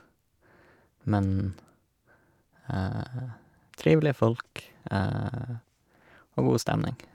Men trivelige folk og god stemning.